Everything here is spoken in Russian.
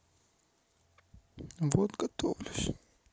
вот готовлюсь